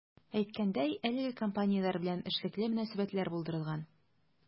Әйткәндәй, әлеге компанияләр белән эшлекле мөнәсәбәтләр булдырылган.